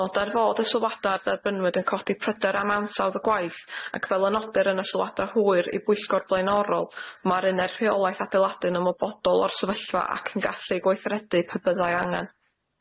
Nodai'r fod y sylwadau a dderbynwyd yn codi pryder am ansawdd y gwaith ac fel a nodir yn y sylwadau hwyr i bwyllgor blaenorol ma'r yne'r rheolaeth adeiladu'n ymwybodol o'r sefyllfa ac yn gallu gweithredu pe byddai angen.